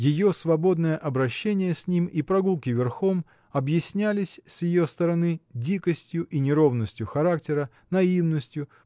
Ее свободное обращение с ним и прогулки верхом объяснялись с ее стороны дикостью и неровностью характера наивностью